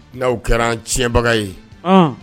N'aw kɛra tiɲɛbaga ye